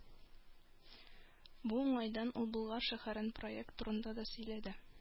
Бу уңайдан ул Болгар шәһәрен проект турында да сөйләде.